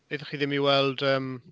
Aethoch chi ddim i weld yym...